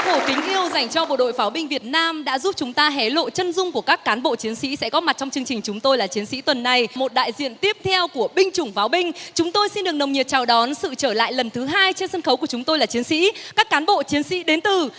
yêu dành cho bộ đội pháo binh việt nam đã giúp chúng ta hé lộ chân dung của các cán bộ chiến sĩ sẽ góp mặt trong chương trình chúng tôi là chiến sĩ tuần này một đại diện tiếp theo của binh chủng pháo binh chúng tôi xin được nồng nhiệt chào đón sự trở lại lần thứ hai trên sân khấu của chúng tôi là chiến sĩ các cán bộ chiến sĩ đến từ